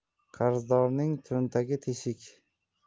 qarzdorning cho'ntagi teshik